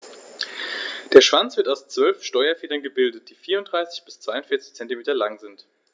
Der Schwanz wird aus 12 Steuerfedern gebildet, die 34 bis 42 cm lang sind.